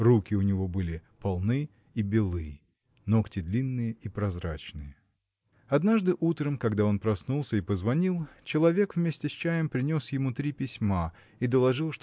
руки у него были полны и белы, ногти длинные и прозрачные. Однажды утром когда он проснулся и позвонил человек вместе с чаем принес ему три письма и доложил